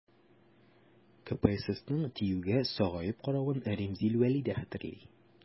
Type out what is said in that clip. КПССның ТИҮгә сагаеп каравын Римзил Вәли дә хәтерли.